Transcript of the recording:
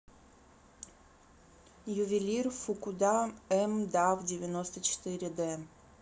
ювелир фукуда м дав девяносто четыре д